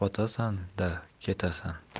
botasan da ketasan